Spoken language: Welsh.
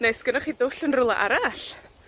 Ne' 'sgennoch chi dwll yn rwla arall?